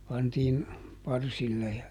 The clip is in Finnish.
pantiin parsille ja